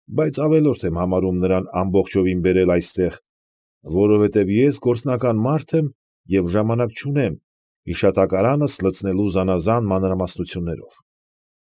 Բայց ավելորդ եմ համարում նրան ամբողջովին բերել այստեղ, որովհետև ես գործնական մարդ եմ և ժամանակ չունիմ հիշատակարանս լեցնելու զանազան մանրամասնություններով։